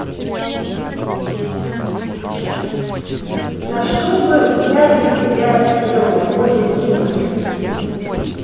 да чтобы я без тебя делала мой любимый